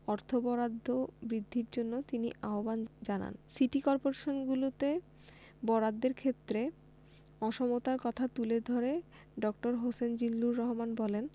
অর্থ বরাদ্দ বৃদ্ধির জন্য তিনি আহ্বান জানান সিটি করপোরেশনগুলোতে বরাদ্দের ক্ষেত্রে অসমতার কথা তুলে ধরে ড. হোসেন জিল্লুর রহমান বলেন